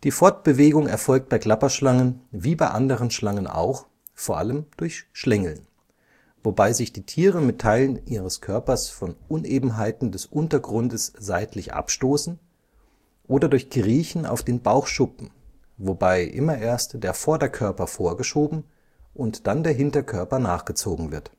Fortbewegung erfolgt bei Klapperschlangen wie bei anderen Schlangen auch, vor allem durch Schlängeln, wobei sich die Tiere mit Teilen ihres Körpers von Unebenheiten des Untergrundes seitlich abstoßen, oder durch Kriechen auf den Bauchschuppen, wobei immer erst der Vorderkörper vorgeschoben und dann der Hinterkörper nachgezogen wird